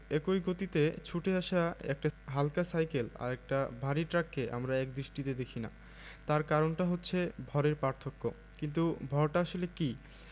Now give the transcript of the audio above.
একই গতিতে ছুটে আসা একটা হালকা সাইকেল আর একটা ভারী ট্রাককে আমরা একদৃষ্টিতে দেখি না তার কারণটা হচ্ছে ভরের পার্থক্য কিন্তু ভরটা আসলে কী